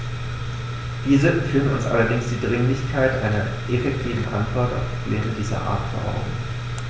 Diese führen uns allerdings die Dringlichkeit einer effektiven Antwort auf Probleme dieser Art vor Augen.